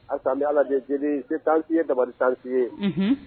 A sabi ala de jeli tanti ye dabaliri tanti ye